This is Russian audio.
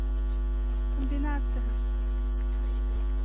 комбинация